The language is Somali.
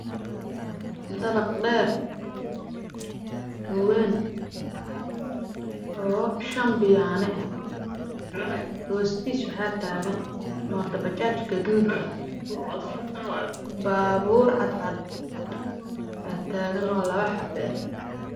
Waa dabaq dheer oo shan biyaano ah